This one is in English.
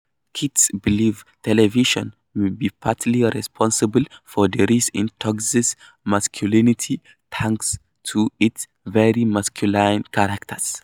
Kit believes television may be partly responsible for the rise in toxic masculinity thanks to its very masculine characters.